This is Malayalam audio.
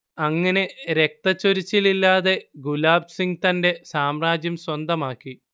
അങ്ങനെ രക്തച്ചൊരിച്ചിലില്ലാതെ ഗുലാബ് സിങ് തന്റെ സാമ്രാജ്യം സ്വന്തമാക്കി